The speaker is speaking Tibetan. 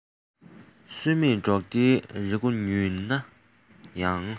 སུན མེད འབྲོག སྡེའི རི སྒོ ཉུལ ན ཡང